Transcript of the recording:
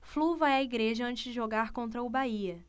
flu vai à igreja antes de jogar contra o bahia